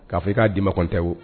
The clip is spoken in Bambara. K'a k'a di ma kɔn tɛ wo